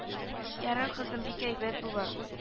Ярар кызым бик әйбәт булыр